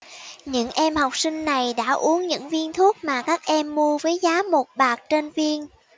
những em học sinh này đã uống những viên thuốc mà các em mua với giá một bạt trên viên